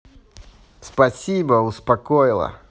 спасибо успокоила